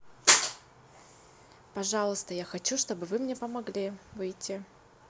пожалуйста я хочу чтобы вы мне могли выйти